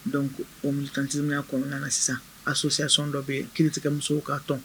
Donc o 1siya kɔnɔna na sisan aasonsiyason dɔ bɛ yen kiiritigɛ musow k'a tɔn